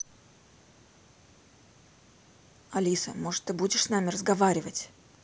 алиса может ты будешь с нами разговаривать